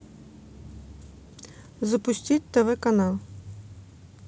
запустить тв канал